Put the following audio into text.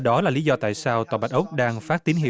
đó là lý do tại sao tòa bạch ốc đang phát tín hiệu